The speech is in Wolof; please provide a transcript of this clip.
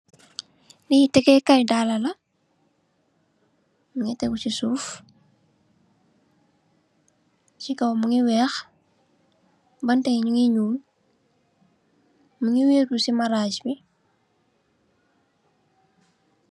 Bi tégékaay daal la, mungi tégu ci suuf. Ci kaw mungi weeh, banta nungi ñuul, mungi wërru ci maraj bi.